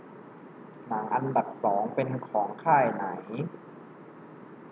หนังอันดับสองเป็นของค่ายไหน